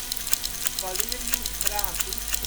Valerius Gratus